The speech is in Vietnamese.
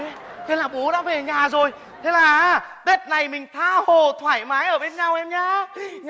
thế là bố đã về nhà rồi thế là á tết này mình tha hồ thoải mái ở bên nhau em nhớ nhớ